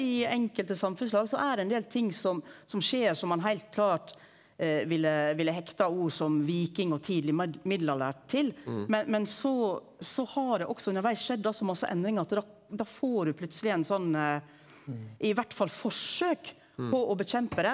i enkelte samfunnslag så er det ein del ting som som skjer som ein heilt klart ville ville hekta ord som viking og tidleg mellomalder til men men så så har det også undervegs skjedd då så masse endringar at da da får du plutseleg ein sånn iallfall forsøk på å kjempe mot det.